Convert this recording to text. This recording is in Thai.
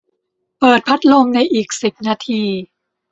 เปิดพัดลมในอีกสิบนาที